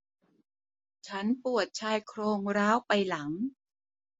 ฉันปวดชายโครงร้าวไปหลัง